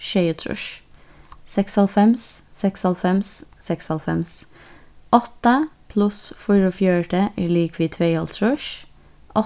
sjeyogtrýss seksoghálvfems seksoghálvfems seksoghálvfems átta pluss fýraogfjøruti er ligvið tveyoghálvtrýss